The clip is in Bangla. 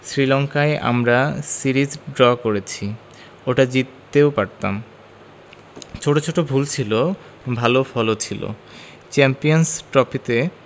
শ্রীলঙ্কায় আমরা সিরিজ ড্র করেছি ওটা জিততেও পারতাম ছোট ছোট ভুল ছিল ভালো ফলও ছিল চ্যাম্পিয়নস ট্রফিতে